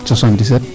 77